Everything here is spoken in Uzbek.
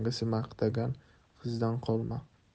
yangasi maqtagan qizdan qolma